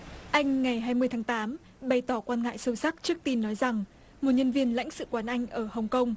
anh ngày hai mươi tháng tám bày tỏ quan ngại sâu sắc trước tin nói rằng một nhân viên lãnh sự quán anh ở hồng công